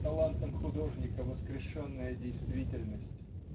талантом художника воскрешенная действительность.